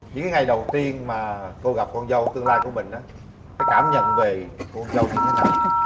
những cái ngày đầu tiên mà cô gặp con dâu tương lai của mình á cái cảm nhận về cô con dâu như thế nào